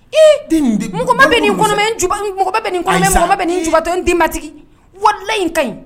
Eemma bɛ bɛ nin bɛ nin j n denbatigi wala in ka ɲi